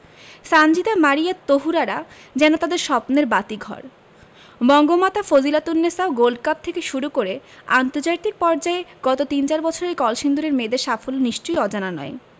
সানজিদা মারিয়া তহুরারা যেন তাদের স্বপ্নের বাতিঘর বঙ্গমাতা ফজিলাতুন্নেছা গোল্ড কাপ থেকে শুরু করে আন্তর্জাতিক পর্যায়ে গত তিন চার বছরে কলসিন্দুরের মেয়েদের সাফল্য নিশ্চয়ই অজানা নয়